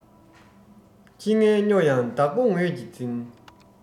ཁྱི ངན སྨྱོ ཡང བདག པོ ངོས ཀྱིས འཛིན